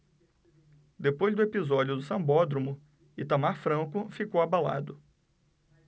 depois do episódio do sambódromo itamar franco ficou abalado